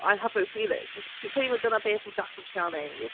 "I have no feelings." Dwi'n credu mae dyna beth mae Jaques yn trio wneud.